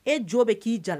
E jo bɛ k'i jala